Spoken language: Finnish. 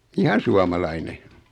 ihan suomalainen